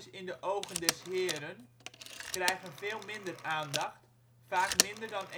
in de ogen des Heeren " krijgen veel minder aandacht, vaak minder dan